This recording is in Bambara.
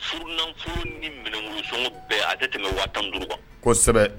Furunanf ni minɛnmuru sɔngɔ bɛɛ ale de tun bɛ waa tan duuruuru kan kosɛbɛ